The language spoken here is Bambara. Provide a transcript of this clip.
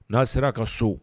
N'a ser'a ka so